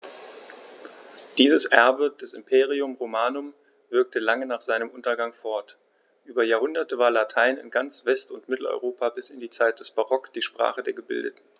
Dieses Erbe des Imperium Romanum wirkte lange nach seinem Untergang fort: Über Jahrhunderte war Latein in ganz West- und Mitteleuropa bis in die Zeit des Barock die Sprache der Gebildeten.